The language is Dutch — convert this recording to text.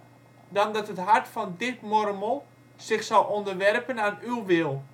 dan dat het hart van dit mormel zich zal onderwerpen aan uw wil